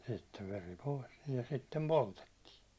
sitten veri pois niin ja sitten poltettiin